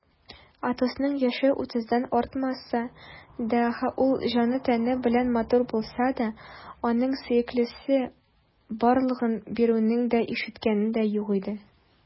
Атосның яше утыздан артмаса да һәм ул җаны-тәне белән матур булса да, аның сөеклесе барлыгын берәүнең дә ишеткәне юк иде.